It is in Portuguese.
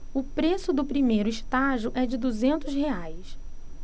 o preço do primeiro estágio é de duzentos reais